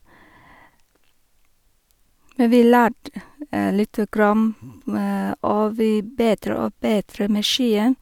Men vi lært lite grann, og vi bedre og bedre med skien.